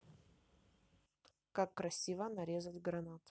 как красиво нарезать гранат